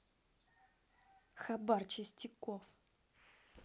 хабар чистяков